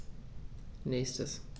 Nächstes.